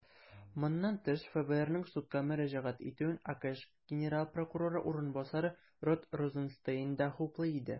Моннан тыш, ФБРның судка мөрәҗәгать итүен АКШ генераль прокуроры урынбасары Род Розенстейн да хуплый иде.